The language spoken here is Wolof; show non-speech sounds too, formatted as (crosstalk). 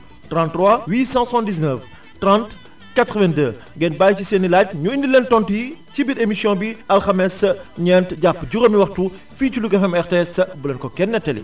(music) 33 879 30 82 ngeen bàyyi ci seen i laaj ñu indil leen tontu yi ci biir émission bi alxames ñeent jàpp juróomi waxtu fii ci Louga FM RTS bu leen ko kenn netali (music)